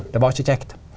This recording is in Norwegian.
det var ikkje kjekt.